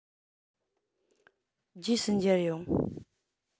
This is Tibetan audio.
རྗེས སུ མཇལ ཡོང